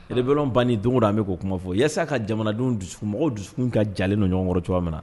E bɛban ni don' bɛ k'o kuma fɔ yesa a ka jamanadenw dusu mɔgɔw dusu ka jalen nɔn ɲɔgɔnkɔrɔ cogo min na